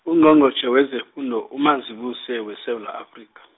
Ungqongqotjhe wezefundo, uMazibuse, weSewula Afrika.